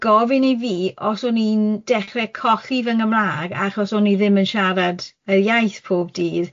gofyn i fi os o'n i'n dechre colli fy Nghymrâg achos o'n i ddim yn siarad y iaith pob dydd.